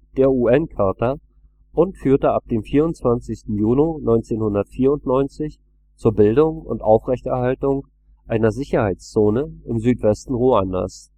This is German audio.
der UN-Charta und führte ab dem 24. Juni 1994 zur Bildung und Aufrechterhaltung einer Sicherheitszone im Südwesten Ruandas